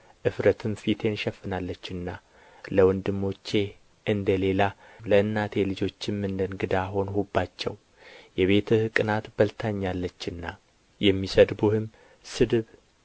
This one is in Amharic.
እፍረትም ፊቴን ሸፍናለችና ለወንድሞቼ እንደ ሌላ ለእናቴ ልጆችም እንደ እንግዳ ሆንሁባቸው የቤትህ ቅንዓት በልታኛለችና የሚሰድቡህም ስድብ